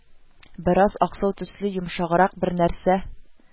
Бераз аксыл төсле, йомшаграк бер нәрсә